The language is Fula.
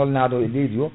engrais ñolnaɗo e leydi o